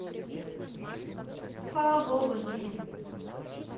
слава богу жди